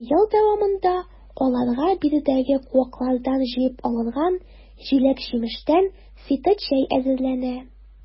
Ел дәвамында аларга биредәге куаклардан җыеп алынган җиләк-җимештән фиточәй әзерләнә.